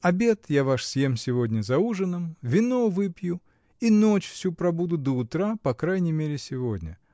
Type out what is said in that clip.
Обед я ваш съем сегодня за ужином, вино выпью и ночь всю пробуду до утра, по крайней мере сегодня.